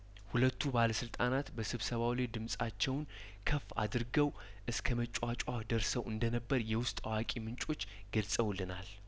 ሁለቱ ባለስልጣናት በስብሰባው ላይ ድምጻቸውን ከፍ አድርገው እስከመጯጯህ ደርሰው እንደነበር የውስጥ አዋቂ ምንጮች ገልጸውለናል